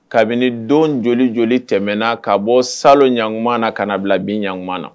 Kabini don joli joli tɛmɛna ka bɔ salon ɲ ɲakuma na ka bila bin ɲaumana na